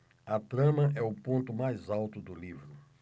a trama é o ponto mais alto do livro